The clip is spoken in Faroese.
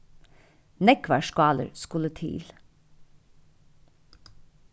nógvar skálir skulu til